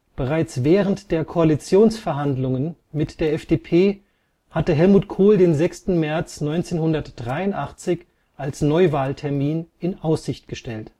Bereits während der Koalitionsverhandlungen mit der FDP hatte Helmut Kohl den 6. März 1983 als Neuwahltermin in Aussicht gestellt